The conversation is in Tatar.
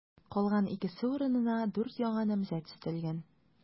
Калган икесе урынына дүрт яңа намзәт өстәлгән.